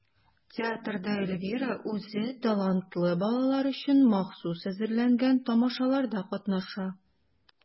Театрда Эльвира үзен талантлы балалар өчен махсус әзерләнгән тамашаларда катнаша.